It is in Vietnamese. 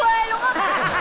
ớ